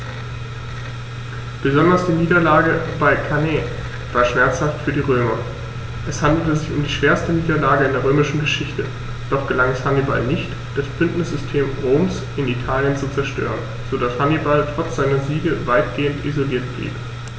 Besonders die Niederlage bei Cannae war schmerzhaft für die Römer: Es handelte sich um die schwerste Niederlage in der römischen Geschichte, doch gelang es Hannibal nicht, das Bündnissystem Roms in Italien zu zerstören, sodass Hannibal trotz seiner Siege weitgehend isoliert blieb.